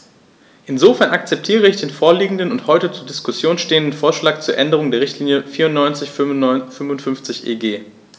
Insofern akzeptiere ich den vorliegenden und heute zur Diskussion stehenden Vorschlag zur Änderung der Richtlinie 94/55/EG.